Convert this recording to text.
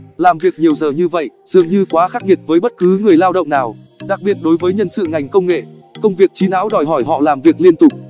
làm việc nhiều giờ như vậy dường như quá khắc nghiệt với bất cứ người lao động nào đặc biệt đối với nhân sự ngành công nghệ công việc trí não đòi hỏi họ làm việc liên tục